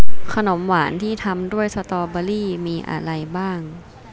ขนมหวานที่ทำด้วยสตอเบอร์รี่มีอะไรบ้าง